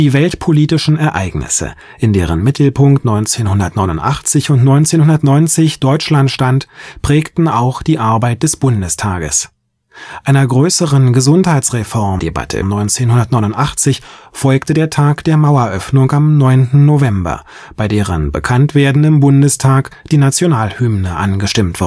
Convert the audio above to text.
weltpolitischen Ereignisse, in deren Mittelpunkt 1989 und 1990 Deutschland stand, prägten auch die Arbeit des Bundestages. Einer größeren Gesundheitsreform 1989 folgte der Tag der Maueröffnung am 9. November des gleichen Jahres, bei deren Bekanntwerden im Bundestag die Nationalhymne angestimmt